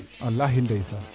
walahi ndeysaan